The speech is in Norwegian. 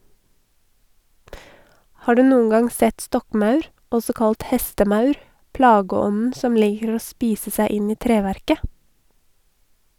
Har du noen gang sett stokkmaur, også kalt hestemaur , plageånden som liker å spise seg inn i treverket?